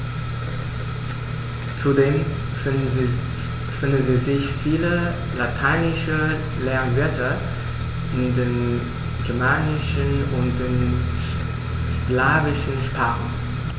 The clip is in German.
Zudem finden sich viele lateinische Lehnwörter in den germanischen und den slawischen Sprachen.